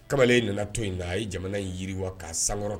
Kamalen nana to in na a ye jamana in yiriwa ka san